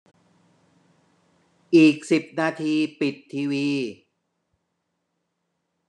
อีกสิบนาทีปิดทีวี